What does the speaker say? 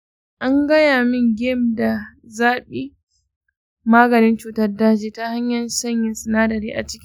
an gaya min game da zaɓin maganin cutar daji ta hanyar sanya sinadari a cikin jiki kai tsaye.